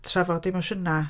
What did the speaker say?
Trafod emosiynau.